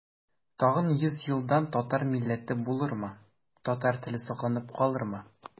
Тагын йөз елдан татар милләте булырмы, татар теле сакланып калырмы?